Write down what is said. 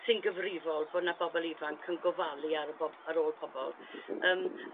sy'n gyfrifol bo 'na bobol ifanc yn gofalu ar y bob- ar ôl pobl yrm